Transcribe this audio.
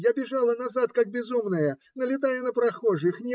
Я бежала назад, как безумная, налетая на прохожих.